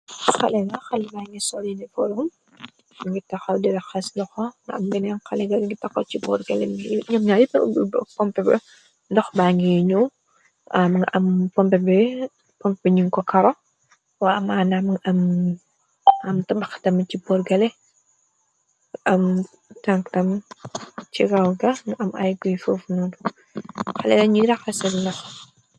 xale la xaleba ngi soline forom yu ngi taxaw dira xas loxo na am geneen xalega ngi taxaw ci boorgale ñam ña yina ubb pompebe ndox ba ngi pomp bi ñu ko karo wa amana am tabax tam ci boorgale am tanktam ci rawga nga am ay guy fofnotu xale ga ñuy raxasel na